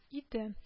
Иде